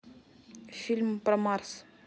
фильмы про марс